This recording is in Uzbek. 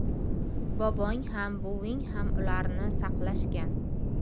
bobong ham buving ham ularni saqlashgan